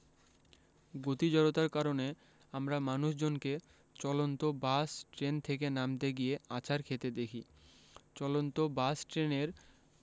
গতি জড়তার কারণে আমরা মানুষজনকে চলন্ত বাস ট্রেন থেকে নামতে গিয়ে আছাড় খেতে দেখি চলন্ত বাস ট্রেনের